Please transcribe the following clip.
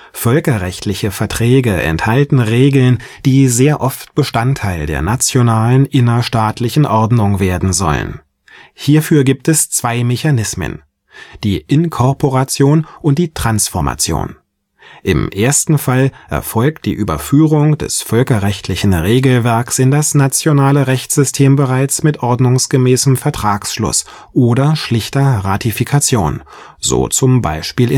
Völkerrechtliche Verträge enthalten Regeln, die sehr oft Bestandteil der nationalen, innerstaatlichen Ordnung werden sollen. Hierfür gibt es zwei Mechanismen – die Inkorporation und die Transformation. Im ersten Fall erfolgt die Überführung des völkerrechtlichen Regelwerks in das nationale Rechtssystem bereits mit ordnungsgemäßem Vertragsschluss oder schlichter Ratifikation, so zum Beispiel